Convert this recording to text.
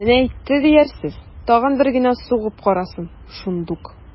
Менә әйтте диярсез, тагын бер генә сугып карасын, шундук...